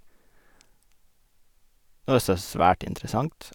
Noe som er svært interessant.